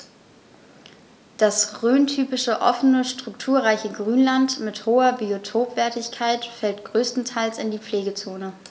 Das rhöntypische offene, strukturreiche Grünland mit hoher Biotopwertigkeit fällt größtenteils in die Pflegezone.